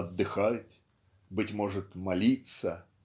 отдыхать, быть может, молиться"